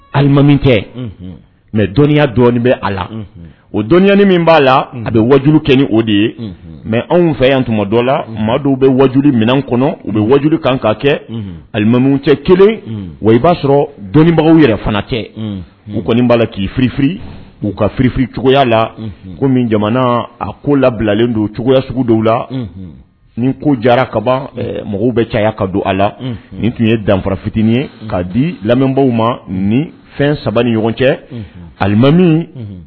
Mɛ dɔnniya bɛ a la o dɔnani min b'a la a bɛ waju kɛ ni o de ye mɛ anw fɛ yan tuma dɔ la ma bɛ wajdu minɛn kɔnɔ u bɛ waju kan ka kɛlimamu cɛ kelen wa i b'a sɔrɔ dɔnnibagaw yɛrɛ fana kɛ'u kɔni b'a la k'ifi k'u kafi cogoyaya la ko jamana a ko labilalen don cogoyaya sugu dɔw la ni ko jara kaban mɔgɔw bɛ cayaya ka don a la nin tun ye danfa fitinin ye kaa di lamɛnbaw ma ni fɛn saba ni ɲɔgɔn cɛ alimami